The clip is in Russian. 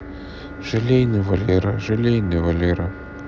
желейный валера желейный валера